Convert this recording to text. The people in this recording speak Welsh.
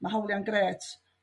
ma' hawlia'n grêt